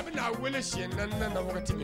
A bɛna a wele si naani na waati wagati min minɛ na